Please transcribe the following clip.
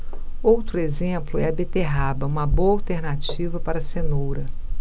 outro exemplo é a beterraba uma boa alternativa para a cenoura